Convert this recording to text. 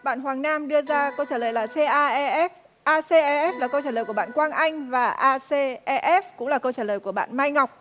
bạn hoàng nam đưa ra câu trả lời là xê a e ép a xê e ép là câu trả lời của bạn quang anh và a xê e ép cũng là câu trả lời của bạn mai ngọc